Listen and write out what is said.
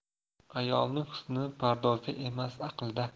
ayolning husni pardozda emas aqlida